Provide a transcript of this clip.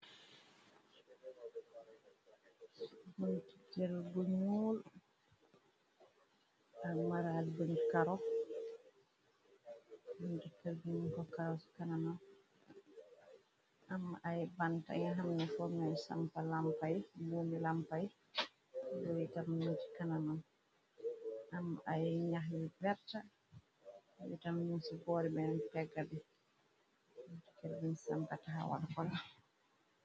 Buntikër bu ñyuul ak marag buñ karof b ko karos kananan am ay bantañaxamne fonoy sampa lampay buuni lampay buyitam nu ci kanana am ay ñax yu gerta yutam mi ci boori binen peggadi sampatexawarxol.